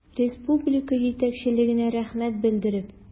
Республика җитәкчелегенә рәхмәт белдереп.